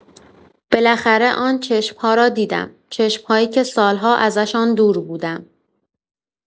بالاخره آن چشم‌ها را دیدم، چشم‌هایی که سال‌ها ازشان دور بودم.